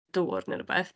Dŵr neu rywbeth.